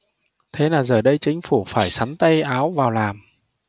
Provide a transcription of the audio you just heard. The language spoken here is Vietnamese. thế là giờ đây chính phủ phải xắn tay áo vào làm